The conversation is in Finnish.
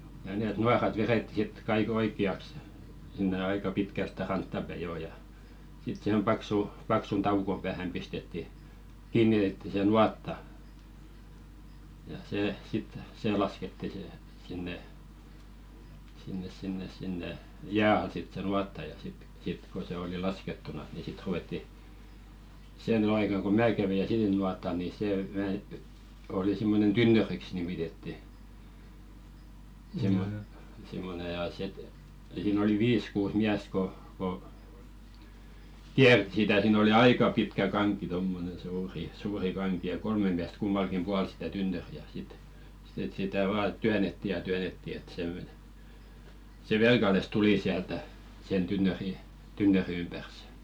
ja ne nuorat vedettiin sitten kaikki oikeaksi sinne aika pitkään sitä rantaa päin jo ja sitten siihen paksu paksun taukon päähän pistettiin kiinnitettiin se nuotta ja se sitten se laskettiin se sinne sinne sinne sinne jään alle sitten se nuotta ja sitten sitten kun se oli laskettuna niin sitten ruvettiin se nyt aika kun minä kävi ja sillinuotalla niin se - oli semmoinen tynnyriksi nimitettiin - semmoinen ja sitten siinä oli viisi kuusi miestä kun kun kiersi sitä siinä oli aika pitkä kanki tuommoinen suuri suuri kanki ja kolme miestä kummallakin puolen sitä tynnyriä sitten sitten että sitä vain työnnettiin ja työnnettiin että semmoinen se tuli sieltä sen tynnyrin tynnyrin ympäri